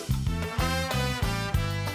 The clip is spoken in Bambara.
San